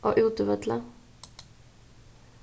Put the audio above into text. á útivølli